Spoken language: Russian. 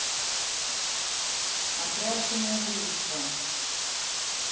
отряд самоубийство